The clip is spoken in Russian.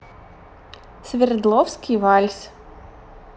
свердловский вальс